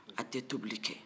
a tɛ tobili kɛ